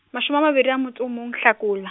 mashome a mabedi a motso o mong Hlakola.